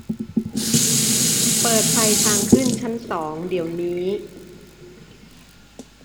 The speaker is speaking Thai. เปิดไฟทางขึ้นชั้นสองเดี๋ยวนี้